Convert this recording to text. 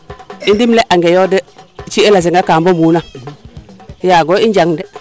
i ndimle ange yoo de ciyel a senga ka mbombuuna yaago i njang de